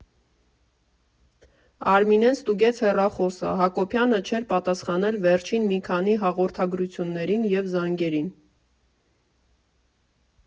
Արմինեն ստուգեց հեռախոսը՝ Հակոբյանը չէր պատասխանել վերջին մի քանի հաղորդագրություններին և զանգերին։